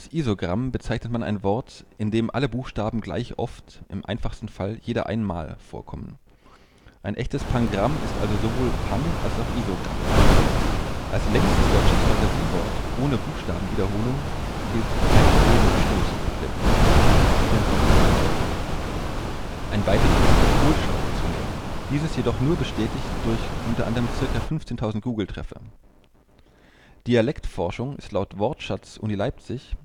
Isogramm bezeichnet man ein Wort, in dem alle Buchstaben gleich oft (im einfachsten Fall jeder einmal) vorkommen; ein echtes Pangramm ist also sowohl Pan - als auch Isogramm. Als längstes deutsches (Fantasie -) Wort ohne Buchstabenwiederholung gilt » Heizölrückstoßabdämpfung « (24 Buchstaben) - ein weiteres ist » Polschraubzwinge «, dieses jedoch nur bestätigt durch u.a. ca. 15.000 Google-Treffer. Dialektforschung ist laut Wortschatz Uni Leipzig